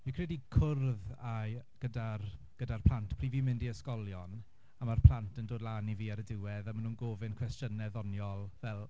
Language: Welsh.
fi'n credu cwrdd â'i... gyda'r gyda'r plant pryd fi'n mynd i ysgolion a ma'r plant yn dod lan i fi ar y diwedd a maen nhw'n gofyn cwestiynau ddoniol fel...